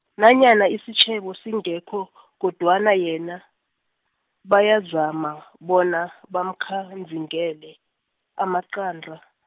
nanyana isitjhebo singekho, kodwana yena, bayazama, bona, bamkhanzingele amaqanda.